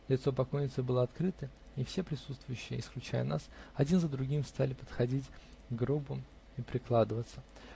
лицо покойницы было открыто, и все присутствующие, исключая нас, один за другим стали подходить к гробу и прикладываться.